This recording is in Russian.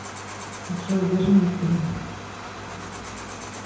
джой вернись блин